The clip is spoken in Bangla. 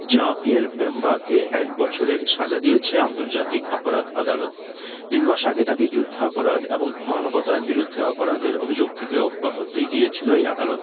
জা পিয়ের বেম্বা কে এক বছরে সাজা দিয়েছে আন্তর্জাতিক অপরাধ আদালত ৩ মাস আগে তাকে যুদ্ধাপরাধ এবং মানবতার বিরুদ্ধে অপরাধের অভিযোগ থেকে অব্যাহতি দিয়েছিল এই আদালত